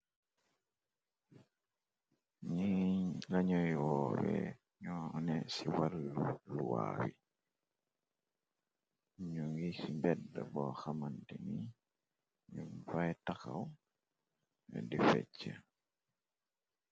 Nyi lañuy woore ñoo ne ci walu luwaa yi ñungi ci mbedda bo xamante nyun fa taxaw di fecxa.